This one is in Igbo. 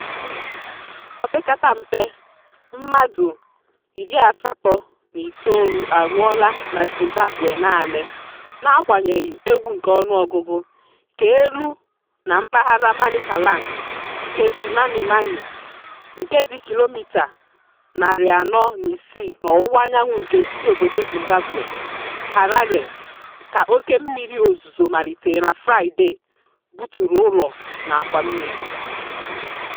Opekata mpe mmadụ 89 anwụọla na Zimbabwe naanị, n'agbanyeghị egwu nke ọnụọgụgụ ka elu, na mpaghara Manicaland nke Chimanimani, nke dị kilomita 406 n'ọwụwaanyanwụ nke isiobodo Zimbabwe, Harare, ka oké mmiri ozuzo malitere na Fraịdee buturu ụlọ na àkwàmmiri.